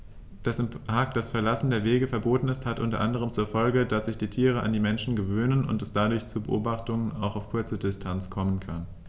Dass im Park das Verlassen der Wege verboten ist, hat unter anderem zur Folge, dass sich die Tiere an die Menschen gewöhnen und es dadurch zu Beobachtungen auch auf kurze Distanz kommen kann.